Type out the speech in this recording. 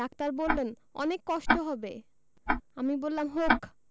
doctor বললেন অনেক কষ্ট হবে আমি বললাম হোক